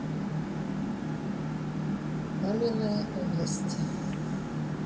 аленой области